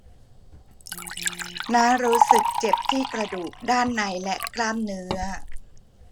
น้ารู้สึกเจ็บที่กระดูกด้านในและกล้ามเนื้อ